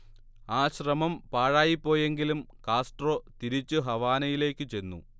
ആ ശ്രമം പാഴായിപോയെങ്കിലും കാസ്ട്രോ തിരിച്ചു ഹവാനയിലേക്കു ചെന്നു